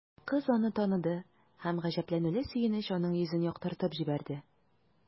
Кыз аны таныды һәм гаҗәпләнүле сөенеч аның йөзен яктыртып җибәрде.